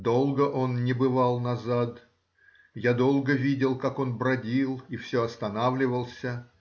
Долго он не бывал назад, я долго видел, как он бродил и все останавливался